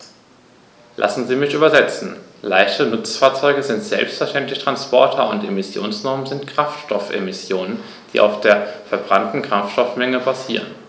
Lassen Sie mich übersetzen: Leichte Nutzfahrzeuge sind selbstverständlich Transporter, und Emissionsnormen sind Kraftstoffemissionen, die auf der verbrannten Kraftstoffmenge basieren.